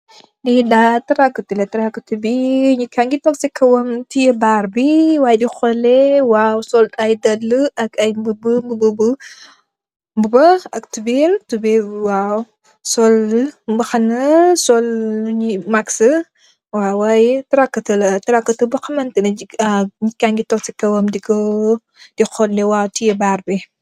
Lii taraactoo la, taraactoo bi ,nit kaa ngi toog si kowam tiye baar bi waay di xoole, waaw, sol ay daalë, ak ay mbubu, mbubu ak tubey, sol mbaxana, so mask . Waay taraactoo la , taraactoo boo xam ne, nit kaa ngi toog di xoole, diye baar bi.